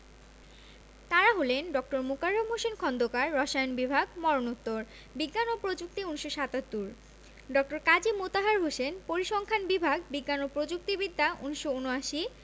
তাঁরা হলেন ড. মোকাররম হোসেন খন্দকার রসায়ন বিভাগ মরণোত্তর বিজ্ঞান ও প্রযুক্তি ১৯৭৭ ড. কাজী মোতাহার হোসেন পরিসংখ্যান বিভাগ বিজ্ঞান ও প্রযুক্তি বিদ্যা ১৯৭৯